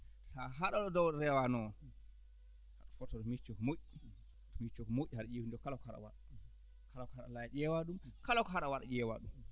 ha haaɗe dow rewanoo foto micco ko moƴƴi micco ko moƴƴi haade ƴeewtindo kala kaɗa waɗa kala kaɗa laaya ƴeewaa ɗum kala ko haaɗa waɗa ƴeewaa ɗum